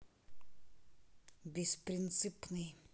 беспринципный